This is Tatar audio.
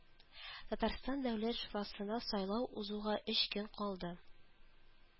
Татарстан Дәүләт шурасына сайлау узуга өч көн калды